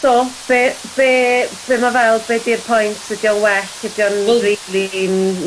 So be' be' be' ma' fel? Be' 'di'r pwynt? Ydi o'n well ydi o'n... Wel... ...rili'n